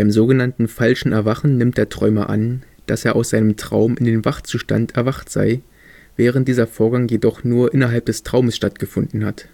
sogenannten falschen Erwachen nimmt der Träumer an, dass er aus seinem Traum in den Wachzustand erwacht sei, während dieser Vorgang jedoch nur innerhalb des Traumes stattgefunden hat